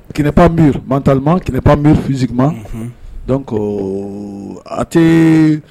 Kip mitama kɛnɛp mirifinsiman don ko a tɛ